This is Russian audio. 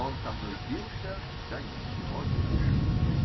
Он со мной бился, да ничего не вышло.